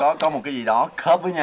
có có một cái gì đó khớp với nhau